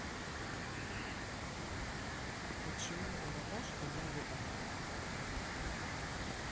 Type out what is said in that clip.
почему у наташки ноги болят